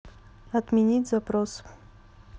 отменить запрос